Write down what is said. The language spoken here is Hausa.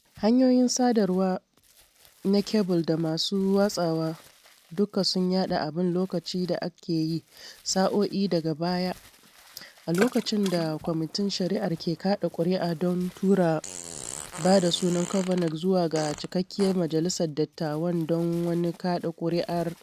Hanyoyin sadarwa na kebul da masu watsawa dukka suna yaɗa abin lokacin da ake yi sa’o’i daga baya, a lokacin da Kwamitin Shari’ar ke kaɗa kuri’a don tura ba da sunan Kavanaugh zuwa ga cikakkiyar Majalisar Dattawan don wani kaɗa kuri’ar.